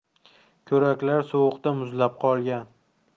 ko'raklar sovuqda muzlab qolgan